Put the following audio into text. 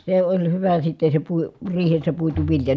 se oli hyvä sitten se - riihessä puitu vilja